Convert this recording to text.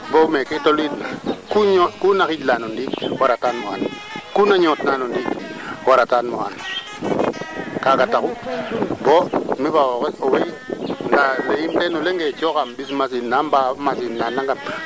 parce que aussi leyna keeke rek o ley kaana comme leya bug manaam leya pour mbaat na ten xam xam ndawo aussi il fo o ley bug bugof a fiya ngaan genofa ndaaw teen parce que o leya nga pour xooxof rek ten refuye dawanga ten refu ye gen fa ndaawa nga ten refu yee gen fa ndaawa parce que daawkiro to ngenof ndaawe yo